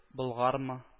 Болгармы